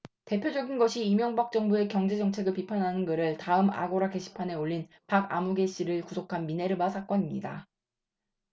대표적인 것이 이명박 정부의 경제정책을 비판하는 글을 다음 아고라 게시판에 올린 박아무개씨를 구속한 미네르바 사건입니다